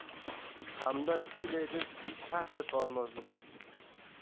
hamdam shunday deb shartta tormozni bosdi